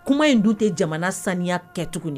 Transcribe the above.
Kuma in dun tɛ jamana sanuya kɛ tuguni